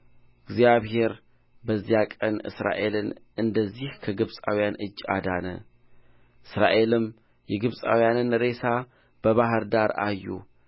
እግዚአብሔር በዚያን ቀን እስራኤልን እንደዚህ ከግብፃውያን እጅ አዳነ እስራኤልም የግብፃውያንን ሬሳ በባሕር ዳር አዩ